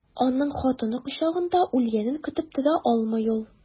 Аның хатыны кочагында үлгәнен көтеп тора алмый ул.